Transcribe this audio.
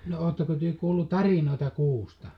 no oletteko te kuullut tarinoita kuusta